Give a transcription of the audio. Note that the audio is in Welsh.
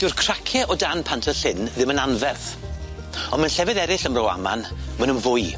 Dyw'r cracie o dan Pant y Llyn ddim yn anferth on' mewn llefydd eryll ym Mro Aman, ma' nw'n fwy.